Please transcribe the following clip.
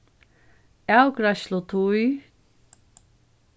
avgreiðslutíð